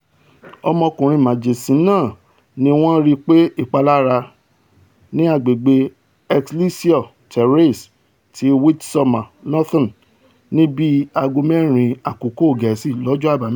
Ọmọkùnrin màjèsín náà ni wọn ri pẹ̀lú ìpalára ní agbègbè̀ Excelsior Terrace ti Midsomer Norton, ní bíi aago mẹ́rin Àkókò Gẹ̀ẹ́sì lọ́jọ́ Àbámẹ́ta.